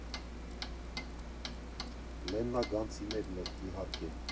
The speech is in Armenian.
Լեննագանցիներն էլ, իհարկե։